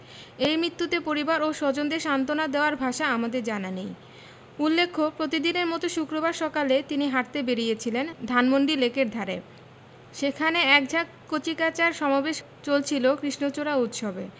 এই মৃত্যুতে পরিবার ও স্বজনদের সান্তনা দেওয়ার ভাষা আমাদের জানা নেই উল্লেখ্য প্রতিদিনের মতো শুক্রবার সকালে তিনি হাঁটতে বেরিয়েছিলেন ধানমন্ডি লেকের ধারে সেখানে এক ঝাঁক কচিকাঁচার সমাবেশ চলছিল কৃষ্ণচূড়া উৎসবে